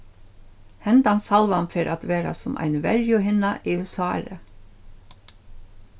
henda salvan fer at vera sum ein verjuhinna yvir sárið